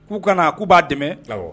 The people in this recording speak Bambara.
K'u kana na k' b'a dɛmɛ ga